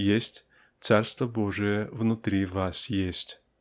-- есть "Царство Божие внутри вас есть".